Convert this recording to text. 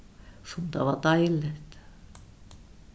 sum tað var deiligt